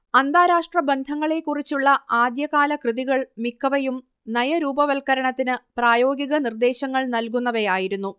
അന്താരാഷ്ട്രബന്ധങ്ങളെക്കുറിച്ചുള്ള ആദ്യകാലകൃതികൾ മിക്കവയും നയരൂപവൽകരണത്തിന് പ്രായോഗിക നിർദ്ദേശങ്ങൾ നൽകുന്നവയായിരുന്നു